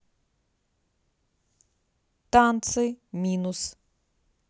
танцы минус